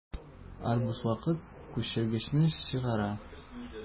Альбус вакыт күчергечне чыгара.